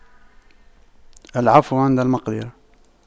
العفو عند المقدرة